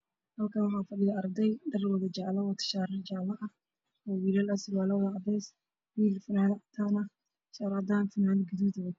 Waarday oo iskool ah jaale wataan cadaan waa isku jiraan